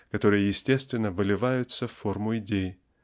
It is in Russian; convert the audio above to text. которые естественно выливаются в форму идей